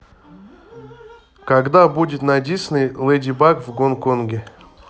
когда будет на disney леди баг в гонконге